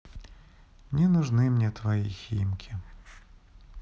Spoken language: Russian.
не нужны мне твои химки